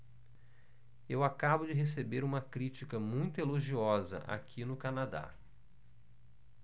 eu acabo de receber uma crítica muito elogiosa aqui no canadá